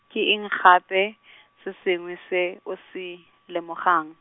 ke eng gape , se sengwe se, o se, lemogang?